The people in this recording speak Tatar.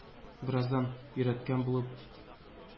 Бераздан: “Өйрәткән булып,